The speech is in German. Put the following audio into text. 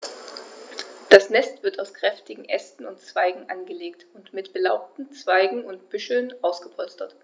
Das Nest wird aus kräftigen Ästen und Zweigen angelegt und mit belaubten Zweigen und Büscheln ausgepolstert.